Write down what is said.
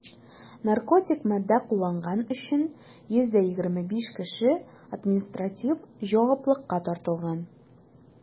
Наркотик матдә кулланган өчен 125 кеше административ җаваплылыкка тартылган.